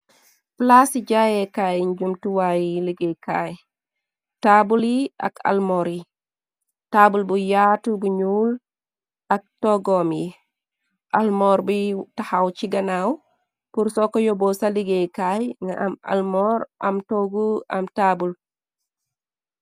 Plaase jaayeekaay njumtuwaay yi liggéeykaay, taabul yi ak almoor yi, taabul bu yaatu bu ñuul ak toggoom yi, almoor bi taxaw ci ganaaw pur so ko yoboo sa liggéeykaay nga am almoor, am toggu, am taabul.